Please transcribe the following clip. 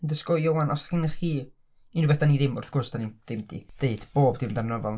underscore Ioan, os gynno chi unrhyw beth da ni ddim, wrth gwrs da ni ddim di. deud bob dim amdan y nofel.